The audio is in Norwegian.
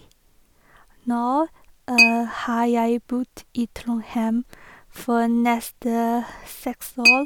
Nå har jeg bodd i Trondheim for nesten seks år.